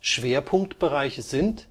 Schwerpunktbereiche sind: